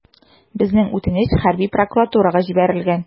Безнең үтенеч хәрби прокуратурага җибәрелгән.